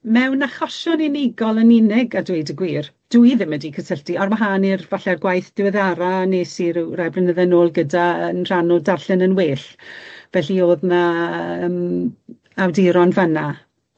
Mewn achosion unigol yn unig a dweud y gwir, dwi ddim wedi cysylltu ar wahân i'r falle'r gwaith diweddara nes i ryw rai blynydde nôl gyda yn rhan o darllen yn well felly o'dd 'na yym n- awduron fan 'na.